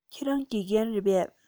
ཁྱེད རང དགེ རྒན རེད པས